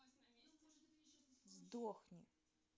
сдохни